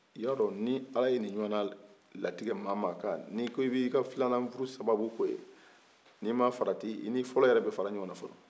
i y'a dɔ ni ala ye nin ɲɔgɔn na latigɛ maa o maa ka ni ko ki bi ka filanan furu sababu k'o ye ni ma farati i ni fɔlɔ yɛrɛ bɛ fara ɲɔgɔn na